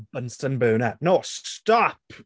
"Bunsen burner." No, stop!